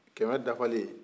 kɛmɛ dafalen